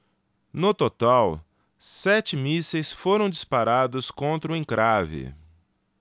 no total sete mísseis foram disparados contra o encrave